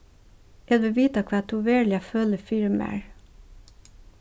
eg vil vita hvat tú veruliga følir fyri mær